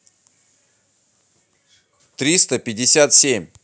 триста пятьдесят семь